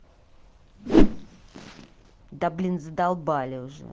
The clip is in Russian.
да блин задолбали уже